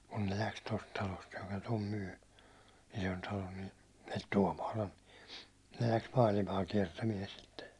kun ne lähti tuosta talosta joka tuon myi Isontalon niin - Tuomaalan ne lähti maailmaa kiertämään sitten